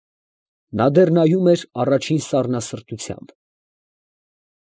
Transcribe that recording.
Նա դեռ նայում էր առաջին սառնասրտությամբ։